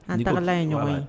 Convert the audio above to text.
An taarala ye ɲɔgɔn ye